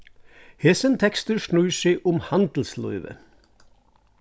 hesin tekstur snýr seg um handilslívið